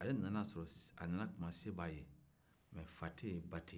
a nana tuma min se b'a ye mɛ fa tɛ yen ba tɛ yen